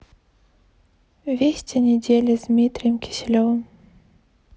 вести недели с дмитрием киселевым